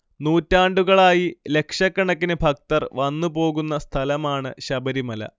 നൂറ്റാണ്ടുകളായി ലക്ഷക്കണക്കിന് ഭക്തർ വന്നു പോകുന്ന സഥലമാണ് ശബരിമല